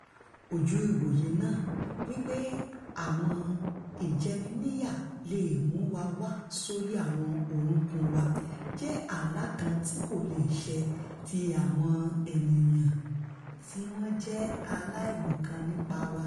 Ojú-ìwòye náà wí pé àwọn ìjẹniníyà leè mú wa wá sórí àwọn orúnkún wa jẹ́ àlá kan tí kò leè ṣẹ ti àwọn ènìyàn tíwọ́n jẹ́ aláìmọ̀kan nípa wa.